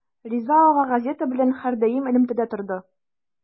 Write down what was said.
Риза ага газета белән һәрдаим элемтәдә торды.